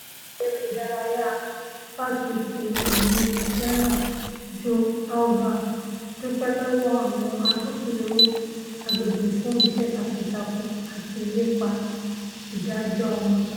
Olùdarí eré ìdárayá LSU Joe Alleva dúpẹ́ lọ́wọ́ àwọn agbófinró agbègbè fún ''iṣẹ́ takun-takun àti ilépa ìdájọ́'' wọn.